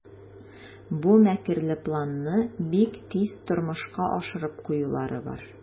Бу мәкерле планны бик тиз тормышка ашырып куюлары бар.